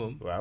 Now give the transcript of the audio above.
waaw